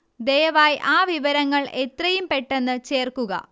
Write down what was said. ദയവായി ആ വിവരങ്ങൾ എത്രയും പെട്ടെന്ന് ചേര്ക്കുക